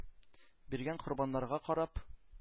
Биргән корбаннарга карап